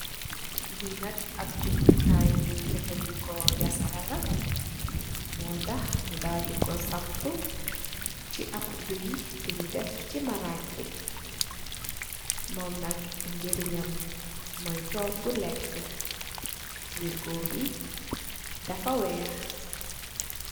Lee nak ab jamtukaye boye jafaneku yasara la motah nu dal deku sampu se ab doye bunu def se marage be mum nak jerejam moye toogu leke werrgo be dafa weehe.